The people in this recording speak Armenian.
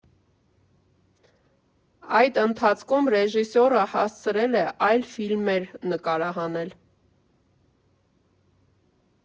Այդ ընթացքում ռեժիսորը հասցրել է այլ ֆիլմեր նկարահանել։